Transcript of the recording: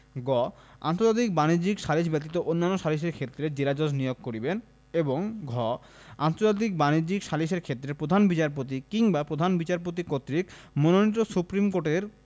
আন্তর্জাতিক বাণিজ্যিক সালিস ব্যতীত অন্যান্য সালিসের ক্ষেত্রে জেলাজজ নিয়োগ করিবেন এবং ঘ আন্তর্জাতিক বাণিজ্যিক সালিসের ক্ষেত্রে প্রধান বিচারপতি কিংবা প্রধান বিচারপতি কর্তৃক মনোনীত সুপ্রীম কোর্টের